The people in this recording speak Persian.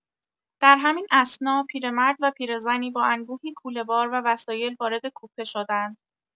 در همین اثنا پیر مرد و پیرزنی با انبوهی کوله‌بار و وسایل وارد کوپه شدند.